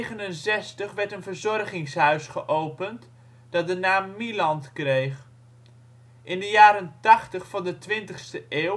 1969 werd een verzorgingshuis geopend, dat de naam Miland kreeg. In de jaren tachtig van de twintigste eeuw